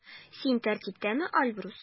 Син тәртиптәме, Альбус?